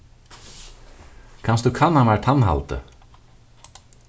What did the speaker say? kanst tú kanna mær tannhaldið